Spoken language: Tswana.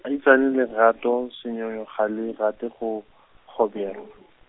aitsane lorato, senyonyo ga lo rate go, kgoberwa.